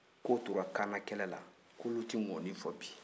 k'o tora kaana kɛlɛ la k'olu tɛ ngɔni fɔ bi